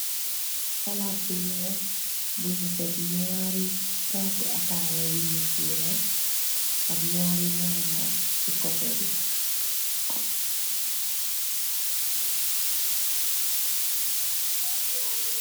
Palaas bu weeh bu weeh buñ tèk naari caasu ataya yu nu fural ak naari nana ci kotè bi.